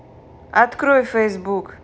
открой facebook